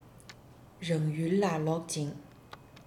རང ཡུལ ལ ལོག ཅིང